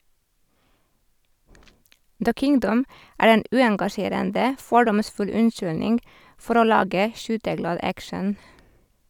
"The Kingdom" er en uengasjerende, fordomsfull unnskyldning for å lage skyteglad action.